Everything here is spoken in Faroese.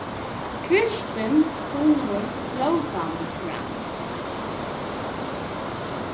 kristin dugir flótandi franskt